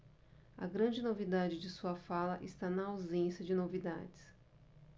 a grande novidade de sua fala está na ausência de novidades